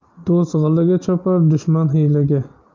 do'st gilaga chopar dushman hiylaga